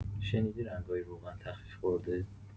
شنیدی رنگای روغن تخفیف خورده؟